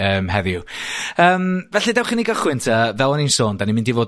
yym heddiw ym. Felly dewch i ni gychwyn 'te fel o'n i'n sôn 'dan ni'n mynd i fod